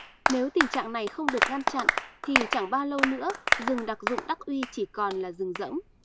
nếu tình trạng này không được ngăn chặn thì chẳng bao lâu nữa rừng đặc dụng đắc uy chỉ còn là rừng rỗng